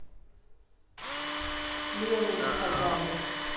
левую сказали